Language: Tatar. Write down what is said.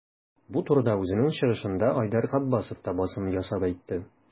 Бу турыда үзенең чыгышында Айдар Габбасов та басым ясап әйтте.